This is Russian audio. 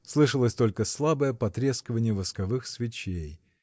слышалось только слабое потрескивание восковых свечей